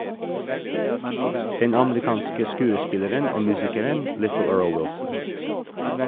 Den amerikanske skuespilleren og musikeren "Little" Earl Wilson.